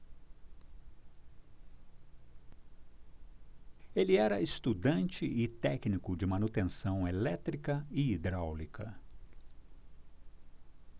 ele era estudante e técnico de manutenção elétrica e hidráulica